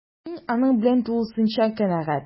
Мин аның белән тулысынча канәгать: